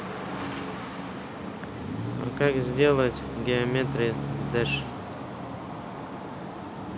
как сделать в geometry dash